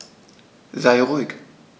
Sei ruhig.